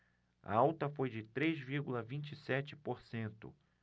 a alta foi de três vírgula vinte e sete por cento